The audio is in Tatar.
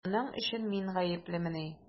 Моның өчен мин гаеплемени?